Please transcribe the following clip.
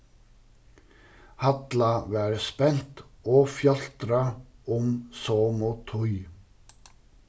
halla var spent og fjáltrað um somu tíð